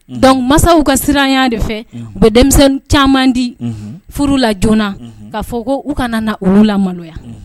Dɔnku masaw ka siranya de fɛ u bɛ denmisɛnnin caman di furu la joona kaa fɔ ko u kana na u la maloya